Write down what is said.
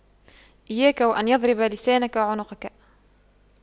إياك وأن يضرب لسانك عنقك